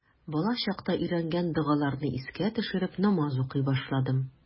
Балачакта өйрәнгән догаларны искә төшереп, намаз укый башладым.